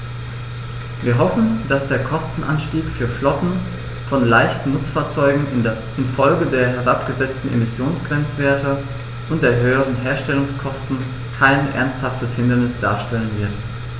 Wir hoffen, dass der Kostenanstieg für Flotten von leichten Nutzfahrzeugen in Folge der herabgesetzten Emissionsgrenzwerte und der höheren Herstellungskosten kein ernsthaftes Hindernis darstellen wird.